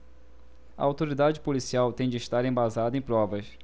a autoridade policial tem de estar embasada em provas